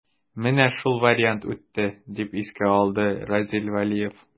Менә шул вариант үтте, дип искә алды Разил Вәлиев.